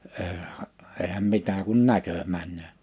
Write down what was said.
eihän eihän mitä kun näkö menee